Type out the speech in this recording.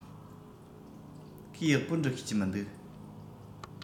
ཁོས ཡག པོ འབྲི ཤེས ཀྱི མི འདུག